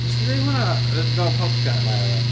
Nes di ddeud hwnna yy mewn podcast... naddo